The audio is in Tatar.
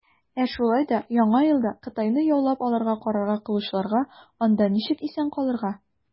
Ә шулай да Яңа елда Кытайны яулап алырга карар кылучыларга, - анда ничек исән калырга.